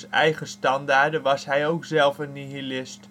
eigen standaarden was hij ook zelf een nihilist